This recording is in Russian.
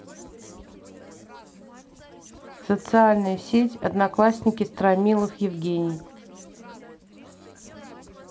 социальная сеть одноклассники стромилов евгений